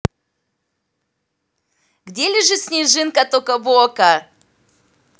где лежат снежки тока бока